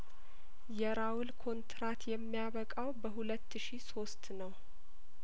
የራውል ኮንትራት የሚያበቃው በሁለት ሺ ሶስት ነው